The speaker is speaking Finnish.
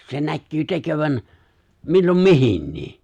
- se näkyy tekevän milloin mihinkin